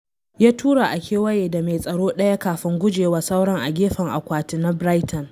Ya tura a kewaye da mai tsaro daya kafin gujewa sauran a gefen akwati na Brighton.